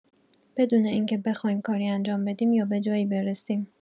بدون اینکه بخوایم کاری انجام بدیم یا به جایی برسیم.